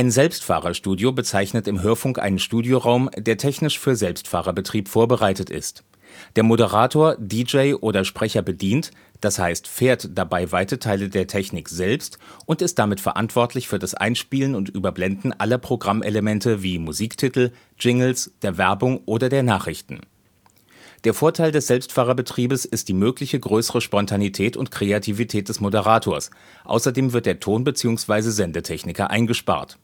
Selbstfahrerstudio bezeichnet im Hörfunk einen Studioraum, der technisch für Selbstfahrerbetrieb vorbereitet ist. Der Moderator, DJ oder Sprecher bedient („ fährt “) dabei weite Teile der Technik selbst und ist damit verantwortlich für das Einspielen und Überblenden aller Programmelemente wie Musiktiteln, Jingles, der Werbung oder der Nachrichten. Der Vorteil des Selbstfahrerbetriebs ist die mögliche größere Spontanität und Kreativität des Moderators, außerdem wird der Ton -/ Sendetechniker eingespart